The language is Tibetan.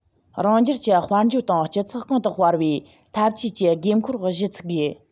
རང རྒྱལ གྱི དཔལ འབྱོར དང སྤྱི ཚོགས གོང དུ སྤེལ བའི འཐབ ཇུས ཀྱི དགོས མཁོར གཞི ཚུགས དགོས